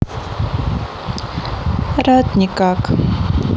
рад никак